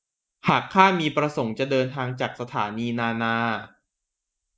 หากข้ามีประสงค์จะเดินทางจากสถานีนานา